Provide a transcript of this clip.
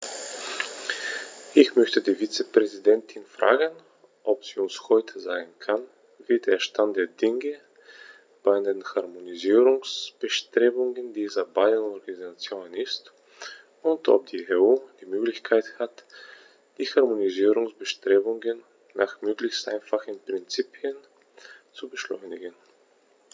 Ich möchte die Vizepräsidentin fragen, ob sie uns heute sagen kann, wie der Stand der Dinge bei den Harmonisierungsbestrebungen dieser beiden Organisationen ist, und ob die EU die Möglichkeit hat, die Harmonisierungsbestrebungen nach möglichst einfachen Prinzipien zu beschleunigen.